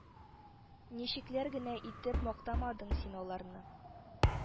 Ничекләр генә итеп мактамадың син аларны